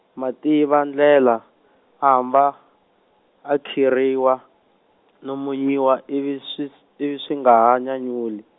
Mativandlela, a hamba, a khirhiwa, no monyiwa ivi swi s- ivi swi nga ha nyawuli.